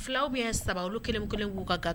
Fulaw bɛ ye saba olu kelen kelen'u ka ka